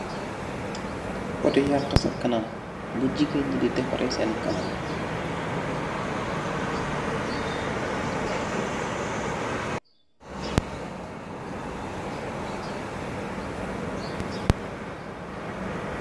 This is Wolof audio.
Poti yakhe sa kanam, bu jigain nyi di defaree sen kanam yi.